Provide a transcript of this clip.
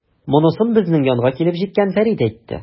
Монысын безнең янга килеп җиткән Фәрит әйтте.